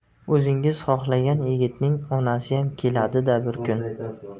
o'zingiz xohlagan yigitning onasiyam keladi da bir kun